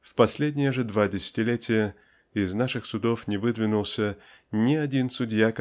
в последние же два десятилетия из наших судов не выдвинулся ни один судья